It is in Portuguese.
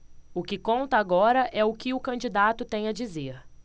o que conta agora é o que o candidato tem a dizer